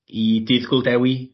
i dydd Gwl Dewi.